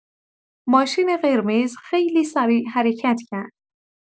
ماشین قرمز خیلی سریع حرکت کرد.